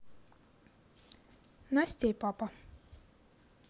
настя и папа